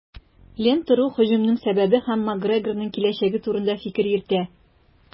"лента.ру" һөҗүмнең сәбәбе һәм макгрегорның киләчәге турында фикер йөртә.